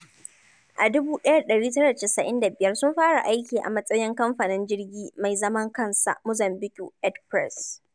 A 1995, sun fara aiki a matsayin kamfanin jirgi mai zaman kansa, Mozambiƙue Eɗpress.